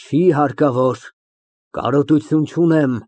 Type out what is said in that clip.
Չի հարկավոր, կարոտություն չունիմ։